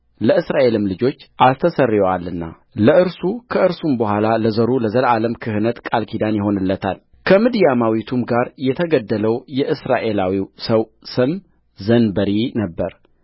ለእስራኤልም ልጆች አስተስርዮአልና ለእርሱ ከእርሱም በኋላ ለዘሩ ለዘላለም ክህነት ቃል ኪዳን ይሆንለታልከምድያማዊቱም ጋር የተገደለው የእስራኤላዊው ሰው ስም ዘንበሪ ነበረ